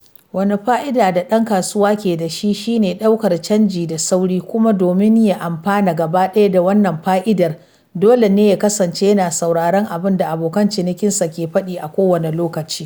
Wani fa'ida da ɗan kasuwa ke da shi, shi ne daukar canji da sauri, kuma domin ya amfana gaba ɗaya da wannan fa'idar dole ne ya kasance yana sauraron abin da abokan cinikinsa ke faɗi a kowane lokaci.